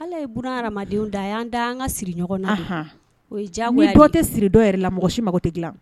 Ala ye b hadamadenw da'an da an ka siri ɲɔgɔn na o jago tɛ siri dɔw yɛrɛ la mɔgɔ si mako tɛ dilan